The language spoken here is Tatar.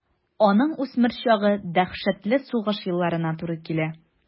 Аның үсмер чагы дәһшәтле сугыш елларына туры килә.